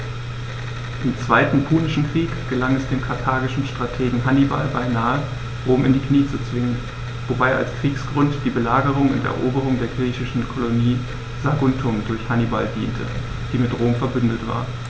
Im Zweiten Punischen Krieg gelang es dem karthagischen Strategen Hannibal beinahe, Rom in die Knie zu zwingen, wobei als Kriegsgrund die Belagerung und Eroberung der griechischen Kolonie Saguntum durch Hannibal diente, die mit Rom „verbündet“ war.